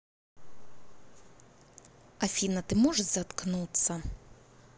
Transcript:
афина ты можешь заткнуться